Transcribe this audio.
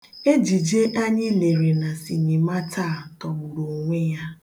Ejije anyị lere na sinima taa tọgburu onwe ya